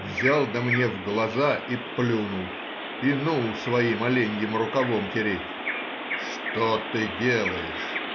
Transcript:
— взял да мне в глаза и плюнул и ну своим оленьим рукавом тереть. — Что ты делаешь?